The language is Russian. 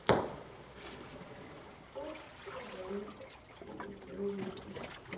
артур и давид кубики рубики